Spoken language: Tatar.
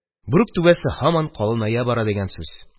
Бүрек түбәсе һаман калыная бара дигән сүз.